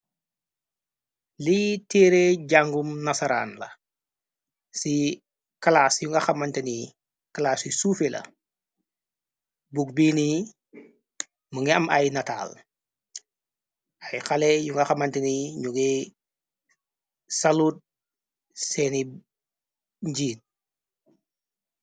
Lii tere jangum nasaraan la ci klas yu nga xamanteni klaas yu suufe la buk biini mu ngi am ay nataal ay xale yu nga xamante ni ñu gey salut seeni njiit.